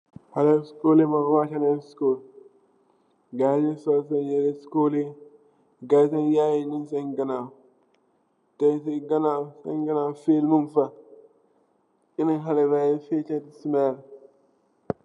Haleh skul yi mom wacca neej skul, gayi nyi ngi sol sen yeri skul yi, gayi sen yayi nyu sen ganaaw, te sen ganaaw sen ganaaw fiil mogfa, benen hale ba nga feca di simayil